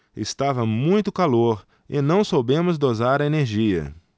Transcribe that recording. estava muito calor e não soubemos dosar a energia